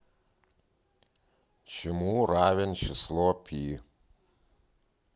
чему равен число пи